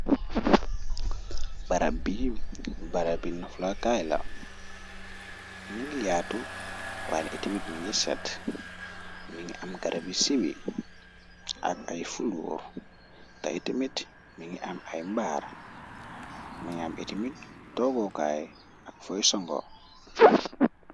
barab bi barabi nflakayla ni ngi yaatu wnitmit mingi se mi ngi am garabi siwi ak ay fuluur te itimit mi ngi am ay mbaar muñam itimit toogokaay ak foy songo